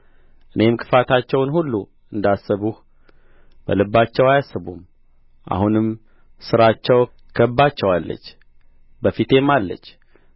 እኔም ክፋታቸውን ሁሉ እንዳሰብሁ በልባቸው አያስቡም አሁንም ሥራቸው ከብባቸዋለች በፊቴም አለች